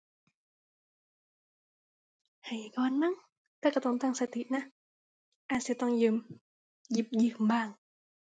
ไห้ก่อนมั้ง แต่ก็ต้องตั้งสตินะ อาจสิต้องยืม หยิบยืมบ้าง